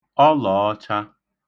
ọlọ̀ọcha